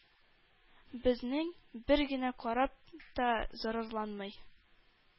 Безнең бер генә кораб та зарарланмый,